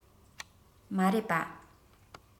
མ རེད པ